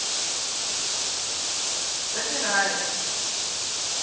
собирает